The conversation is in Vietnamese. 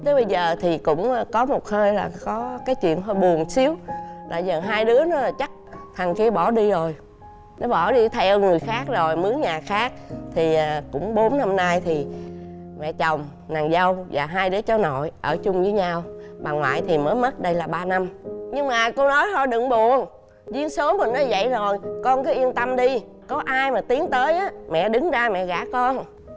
tới bây giờ thì cũng có một hơi là có cái chuyện hơi buồn xíu là giờ hai đứa nó là chắt thằng kia bỏ đi rồi nó bỏ đi theo người khác rồi mướn nhà khác thì cũng bốn năm nay thì mẹ chồng nàng dâu và hai đứa cháu nội ở chung với nhau bà ngoại thì mới mất đây là ba năm nhưng mà cô nói thôi đừng buồn duyên số của nó vậy rồi con cứ yên tâm đi có ai mà tiến tới á mẹ đứng ra mẹ gả con